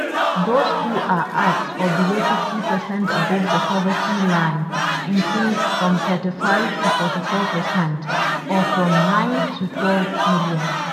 those who are at or below 50% above the poverty line, increased from 35 to 44% (or, from 9 to 12 million).